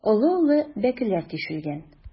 Олы-олы бәкеләр тишелгән.